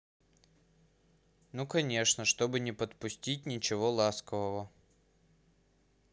ну конечно чтобы не подпустить ничего ласкового